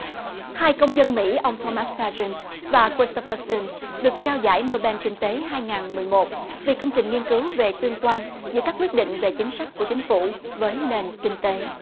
hai công dân mỹ ông pho mát xa giuân và cờ rít tơ pha xưn được trao giải nô ben kinh tế hai ngàn mười một vì công trình nghiên cứu về tương quan giữa các quyết định về chính sách của chính phủ với nền kinh tế